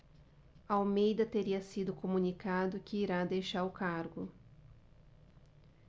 almeida teria sido comunicado que irá deixar o cargo